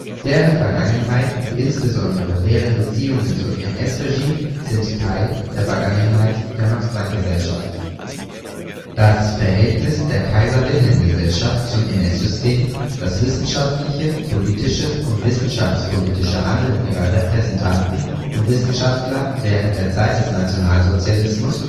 Deren Vergangenheit und insbesondere deren Beziehungen zum NS-Regime sind Teil der Vergangenheit der Max-Planck-Gesellschaft. Das Verhältnis der Kaiser-Wilhelm-Gesellschaft zum NS-System, das wissenschaftliche, politische und wissenschaftspolitische Handeln ihrer Repräsentanten und Wissenschaftler während der Zeit des Nationalsozialismus